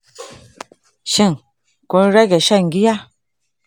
shin, kun rage shan giya?